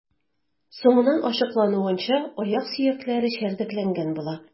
Соңыннан ачыклануынча, аяк сөякләре чәрдәкләнгән була.